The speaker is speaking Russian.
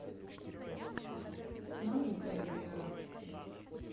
маленькая вера